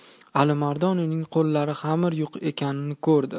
alimardon uning qo'llari xamir yuqi ekanini ko'rdi